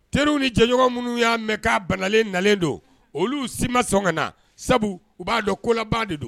Teriw ni jɛnɲɔgɔn minnu y'a mɛn ka banalen nalen don, olu si ma sɔn ka na, sabu u b'a dɔn kolaban de don